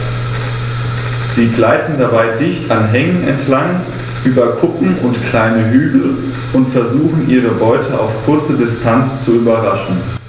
Sie gleiten dabei dicht an Hängen entlang, über Kuppen und kleine Hügel und versuchen ihre Beute auf kurze Distanz zu überraschen.